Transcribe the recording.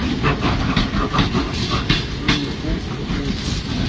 винни пух мультик